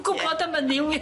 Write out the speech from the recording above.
...gwbod am ynny wir